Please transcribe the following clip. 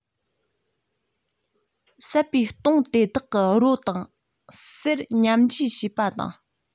བསད པའི སྟོང དེ དག གི རོ དང སེར མཉམ བརྗེས བྱས པ དང